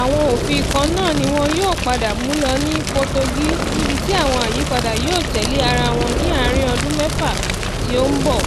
Àwọn òfin kan náà ni wọn yóò padà múlò ní Portugal, níbi tí àwọn àyípadà yóò tẹ̀lé ara wọn ní àárin ọdún mẹ́fà tí ó ń bọ̀,